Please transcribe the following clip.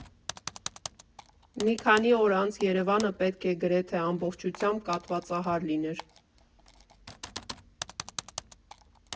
Մի քանի օր անց Երևանը պետք է գրեթե ամբողջությամբ կաթվածահար լիներ։